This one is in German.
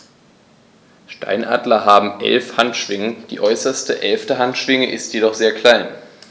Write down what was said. Steinadler haben 11 Handschwingen, die äußerste (11.) Handschwinge ist jedoch sehr klein.